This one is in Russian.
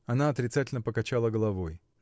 Она отрицательно покачала головой.